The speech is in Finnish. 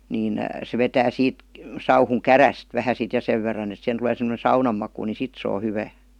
niin se vetää siitä sauhun kärystä vähän sitten ja sen verran että siihen tulee semmoinen saunan maku niin sitten se on hyvää